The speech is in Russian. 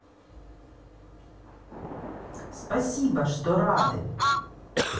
спасибо что рады